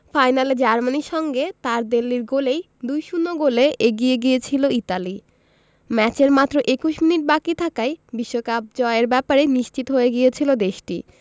ফাইনালে জার্মানির সঙ্গে তারদেল্লির গোলেই ২ ০ গোলে এগিয়ে গিয়েছিল ইতালি ম্যাচের মাত্র ২১ মিনিট বাকি থাকায় বিশ্বকাপ জয়ের ব্যাপারে নিশ্চিত হয়ে গিয়েছিল দেশটি